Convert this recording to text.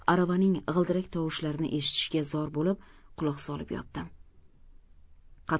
aravaning g'ildirak tovushlarini eshitishga zor bo'lib quloq solib yotdim